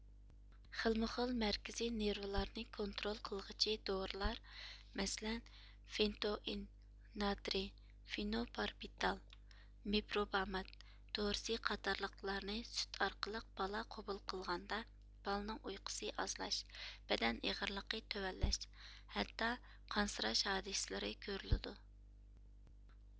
خىلمۇخىل مەركىزىي نېرۋىلارنى كونترول قىلغۇچى دورىلار مەسىلەن فېنتوئىن ناترىي فېنوباربىتال مېپروبامات دورىسى قاتارلىقلارنى سۈت ئارقىلىق بالا قوبۇل قىلغاندا بالىنىڭ ئۇيقۇسى ئازلاش بەدەن ئېغىرلىقى تۆۋەنلەش ھەتتا قانسىراش ھادىسىلىرى كۆرۈلىدۇ